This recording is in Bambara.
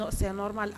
Saya yɔrɔ la